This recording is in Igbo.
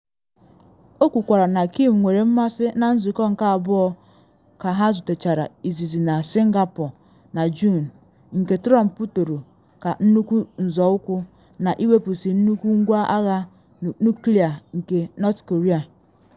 O kwukwara na Kim nwere mmasị na nzụkọ nke abụọ ka ha zutechara izizi na Singapore na Juun nke Trump toro ka nnukwu nzọụkwụ na iwepusi nnukwu ngwa agha nuklịa nke North Korea.